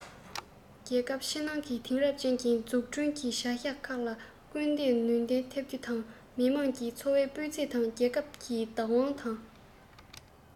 རྒྱལ ཁབ ཕྱི ནང གི དེང རབས ཅན འཛུགས སྐྲུན གྱི བྱ གཞག ཁག ལ སྐུལ འདེད ནུས ལྡན ཐེབས རྒྱུ དང མི དམངས ཀྱི འཚོ བའི སྤུས ཚད དང རྒྱལ ཁབ ཀྱི བདག དབང དང